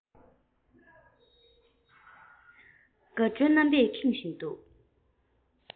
ལྷིང འཇགས ཀྱི གཡའ དང བྲལ ཏེ འཁྱར འཁྱོར ངང གཡོ